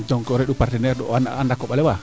donc o ree'u partenaire u anda koɓale a paax